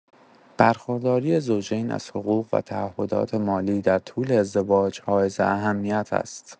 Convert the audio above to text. برخورداری زوجین از حقوق و تعهدات مالی در طول ازدواج حائز اهمیت است.